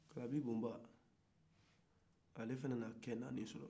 kalabibonba ale fana ye denkɛ naani sɔrɔ